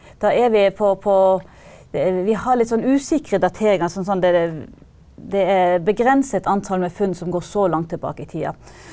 da er vi på på vi har litt sånn usikre dateringer sånn som det det det er begrenset antall med funn som går så langt tilbake i tida.